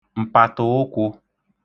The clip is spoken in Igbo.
m̀pàtụ̀ụkwụ̄